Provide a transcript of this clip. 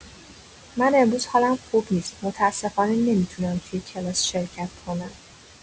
من امروز حالم خوب نیست متاسفانه نمی‌تونم توی کلاس شرکت کنم.